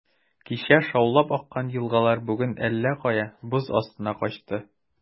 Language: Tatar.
Кичә шаулап аккан елгалар бүген әллә кая, боз астына качты.